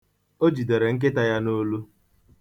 O jidere nkịta ya n'olu.